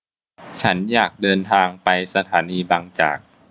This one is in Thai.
ฉันอยากเดินทางไปสถานีบางจาก